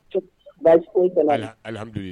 Ba bala ala